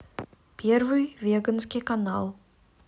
первый веганский канал